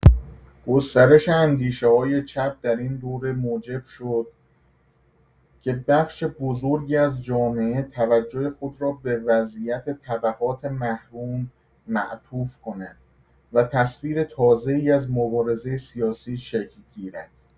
گسترش اندیشه‌های چپ در این دوره موجب شد که بخش بزرگی از جامعه توجه خود را به وضعیت طبقات محروم معطوف کند و تصویر تازه‌ای از مبارزه سیاسی شکل گیرد.